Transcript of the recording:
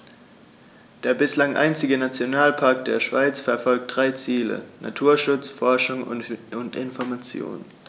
Der bislang einzige Nationalpark der Schweiz verfolgt drei Ziele: Naturschutz, Forschung und Information.